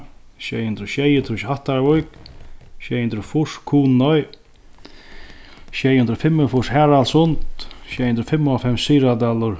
sjey hundrað og sjeyogtrýss hattarvík sjey hundrað og fýrs kunoy sjey hundrað og fimmogfýrs haraldssund sjey hundrað og fimmoghálvfems syðradalur